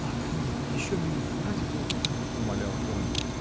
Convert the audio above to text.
— Ах нет — еще минуту, ради Бога. — умолял он.